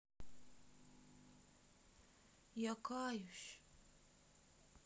я каюсь